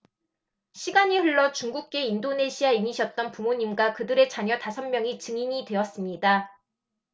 시간이 흘러 중국계 인도네시아인이셨던 부모님과 그들의 자녀 다섯 명이 증인이 되었습니다